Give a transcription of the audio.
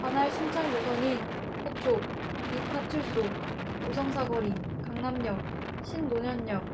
관할 순찰 노선인 서초 이 파출소 우성사거리 강남역 신논현역